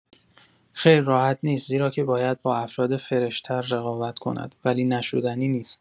خیر راحت نیست زیرا که باید با افراد فرش‌تر رقابت کند، ولی نشدنی نیست.